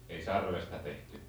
ei sarvesta tehty